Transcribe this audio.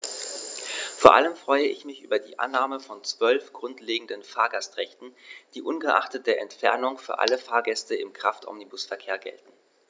Vor allem freue ich mich über die Annahme von 12 grundlegenden Fahrgastrechten, die ungeachtet der Entfernung für alle Fahrgäste im Kraftomnibusverkehr gelten.